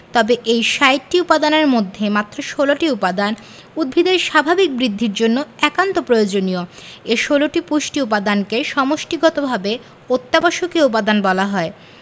তবে এই ৬০টি উপাদানের মধ্যে মাত্র ১৬টি উপাদান উদ্ভিদের স্বাভাবিক বৃদ্ধির জন্য একান্ত প্রয়োজনীয় এ ১৬টি পুষ্টি উপাদানকে সমষ্টিগতভাবে অত্যাবশ্যকীয় উপাদান বলা হয়